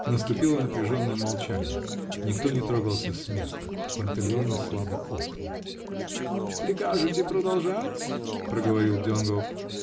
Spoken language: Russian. Наступило напряженное молчание. Никто не трогался с места. Панталеоне слабо охнул. -- Прикажете продолжать? -- проговорил Донгоф.